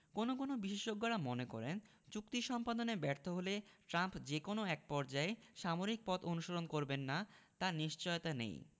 কোনো কোনো বিশেষজ্ঞেরা মনে করেন চুক্তি সম্পাদনে ব্যর্থ হলে ট্রাম্প যে কোনো একপর্যায়ে সামরিক পথ অনুসরণ করবেন না তার নিশ্চয়তা নেই